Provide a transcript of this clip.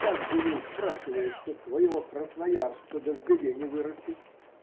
Как же ей, спрашивается, своего красноярца да в беде не выручить.